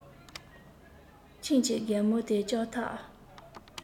ཁྱིམ གྱི རྒན མོ དེས ལྕགས ཐབ